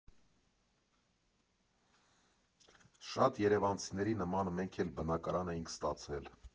Շատ երևանցիների նման մենք էլ բնակարան էինք ստացել.